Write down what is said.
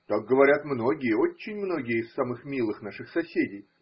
Так говорят многие, очень многие из самых милых наших соседей!